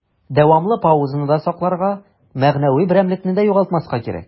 Дәвамлы паузаны да сакларга, мәгънәви берәмлекне дә югалтмаска кирәк.